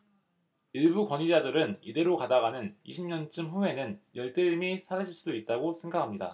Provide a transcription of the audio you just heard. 일부 권위자들은 이대로 가다가는 이십 년쯤 후에는 열대림이 사라질 수도 있다고 생각합니다